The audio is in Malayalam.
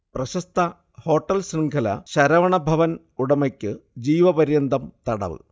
പ്രശസ്ത ഹോട്ടൽ ശൃംഖല ശരവണഭവൻ ഉടമയ്ക്ക് ജീവപര്യന്തം തടവ്